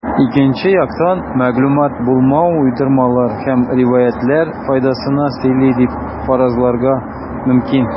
Икенче яктан, мәгълүмат булмау уйдырмалар һәм риваятьләр файдасына сөйли дип фаразларга мөмкин.